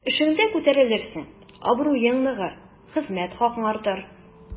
Эшеңдә күтәрелерсең, абруең ныгыр, хезмәт хакың артыр.